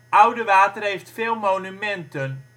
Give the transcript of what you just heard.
Oudewater heeft veel monumenten